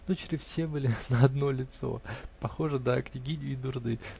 Дочери все были на одно лицо -- похожи на княгиню и дурны